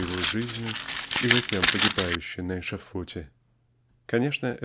боевой жизнью и затем погибающий на эшафоте? Конечно